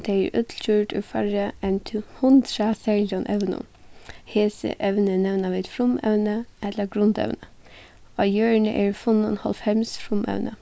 men tey eru øll gjørd úr færri enn hundrað serligum evnum hesi evni nevna vit frumevni ella grundevni á jørðini eru funnin hálvfems frumevni